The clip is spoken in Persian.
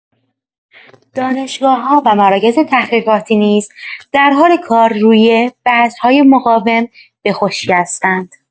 دانشگاه‌‌ها و مراکز تحقیقاتی نیز در حال کار روی بذرهای مقاوم به خشکی هستند.